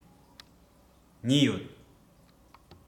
གཉིས ཡོད